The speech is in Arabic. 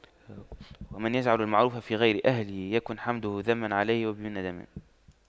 ومن يجعل المعروف في غير أهله يكن حمده ذما عليه ويندم